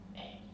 ei